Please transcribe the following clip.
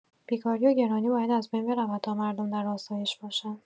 بیکاری و گرانی باید از بین برود تا مردم در آسایش باشند.